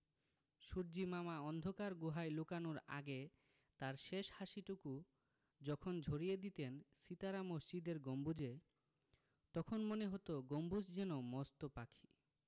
সূর্য্যিমামা অন্ধকার গুহায় লুকানোর আগে তাঁর শেষ হাসিটুকু যখন ঝরিয়ে দিতেন সিতারা মসজিদের গম্বুজে তখন মনে হতো গম্বুজগুলো যেন মস্ত পাখি